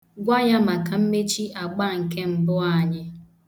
Gwa ya maka mmechi agba nke mbụ anyị.